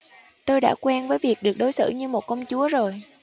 tôi đã quen với việc được đối xử như một công chúa rồi